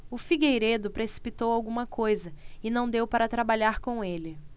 o figueiredo precipitou alguma coisa e não deu para trabalhar com ele